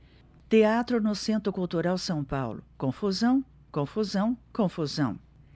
teatro no centro cultural são paulo confusão confusão confusão